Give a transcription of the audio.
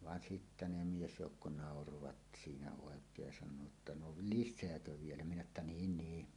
vaan sitten ne miesjoukko nauroivat siinä oikein ja sanoivat että no lisääkö vielä minä että niin niin